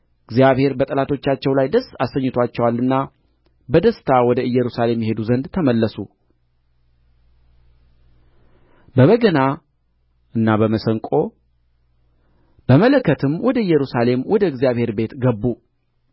እግዚአብሔር በጠላቶቻቸው ላይ ደስ አሰኝቶአቸዋልና በደስታ ወደ ኢየሩሳሌም ይሄዱ ዘንድ ተመለሱ በበገናም በመሰንቆም በመለከትም ወደ ኢየሩሳሌም ወደ እግዚአብሔርም ቤት ገቡ